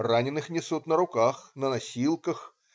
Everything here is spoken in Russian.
Раненых несут на руках, на носилках.